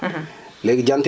nit yi dañ koy soxla